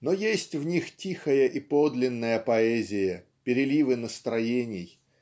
но есть в них тихая и подлинная поэзия переливы настроений